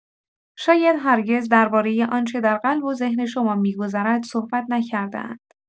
شاید هرگز درباره آنچه در قلب و ذهن شما می‌گذرد صحبت نکرده‌اند.